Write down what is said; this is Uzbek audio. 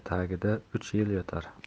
tagida uch yil yotar